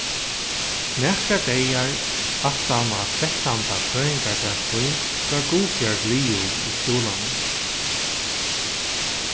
nakrar dagar aftan á trettanda føðingardag sín varð guðbjørg liðug í skúlanum